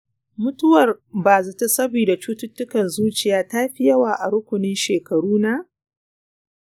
mutuwar bazata saboda cututtukan zuciya ta fi yawa a rukunin shekaruna?